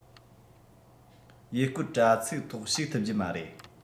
ཡུལ སྐོར དྲ ཚིགས ཐོག ཞུགས ཐུབ རྒྱུ མ རེད